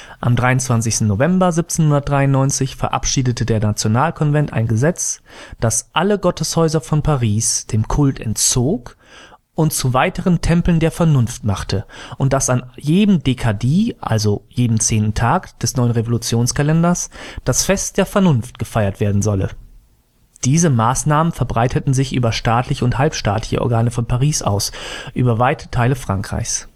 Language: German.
Am 23. November 1793 verabschiedete der Nationalkonvent ein Gesetz, das alle Gotteshäuser von Paris dem Kult entzog und zu weiteren Tempeln der Vernunft machte und dass an jedem décadi (zehnten Tag) des neuen Revolutionskalenders das Fest der Vernunft gefeiert werden solle. Diese Maßnahmen verbreiteten sich über staatliche und halbstaatliche Organe von Paris aus über weite Teile Frankreichs